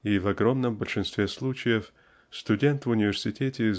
и в огромном большинстве случаев студент в университете